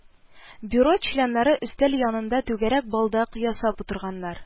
Бюро членнары өстәл янында түгәрәк балдак ясап утырганнар